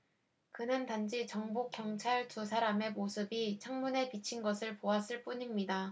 그는 단지 정복 경찰 두 사람의 모습이 창문에 비친 것을 보았을 뿐입니다